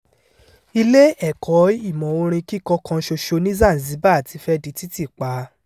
Ilé ẹ̀kọ́ ìmọ̀ orin kíkọ kan ṣoṣo ní Zanzibar ti fẹ́ di títì pa